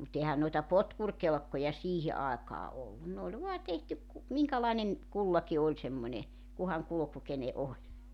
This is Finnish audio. mutta eihän noita potkurikelkkoja siihen aikaan ollut ne oli vain tehty kun minkälainen kullakin oli semmoinen kunhan kulku kenen oli